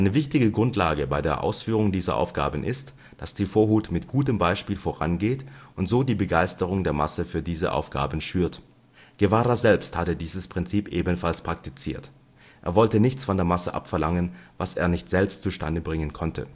wichtige Grundlage bei der Ausführung dieser Aufgaben ist, dass die Vorhut mit gutem Beispiel vorangeht und so die Begeisterung der Masse für diese Aufgabe schürt. Guevara selbst hatte dieses Prinzip ebenfalls praktiziert. Er wollte nichts von der Masse abverlangen, was er nicht selbst zu Stande bringen konnte